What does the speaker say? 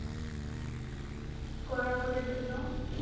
скоро будет игнор